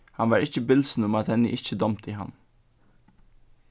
hann var ikki bilsin um at henni ikki dámdi hann